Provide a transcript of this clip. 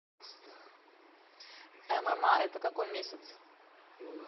mma это какой месяц